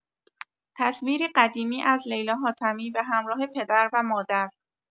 تصویری قدیمی از لیلا حاتمی، به‌همراه پدر و مادر